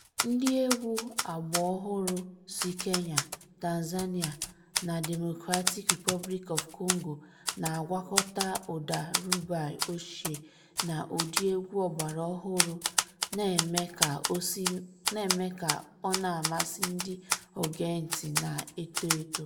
Ndịegwu àgbà ọhụrụ si Kenya, Tanzania na Democratic Republic of Congo na-agwakọta ụda Rhumba ochie na ụdị egwu ọgbaraọhụrụ, na-eme ka ọ na-amasị ndị ogeentị na-eto eto.